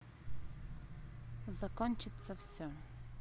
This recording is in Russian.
закончится все